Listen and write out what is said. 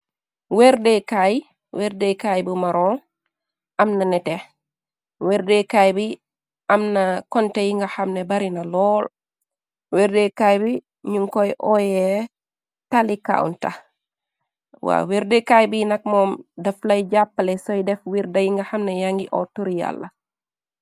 Wehrdekaay, wehrdekaay bu maron, amna nehteh, wehrdeh kaay bi amna konte yi nga xamne barina lol, wehrdeh kaay bi njung koy oye tali counter, waw wehrdeh kaay bi nak mom daflay japaleh soy def wirrdah yii nga xamne yangi orr turi Yallah.